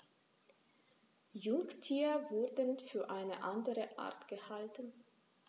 Jungtiere wurden für eine andere Art gehalten.